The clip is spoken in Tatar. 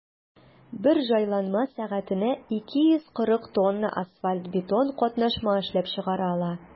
Бер җайланма сәгатенә 240 тонна асфальт–бетон катнашма эшләп чыгара ала.